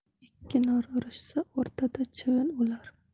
ikki nor urishsa o'rtada chivin o'lar